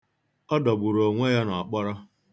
Ọ dọgburu onwe ya n'ọkpọrọ.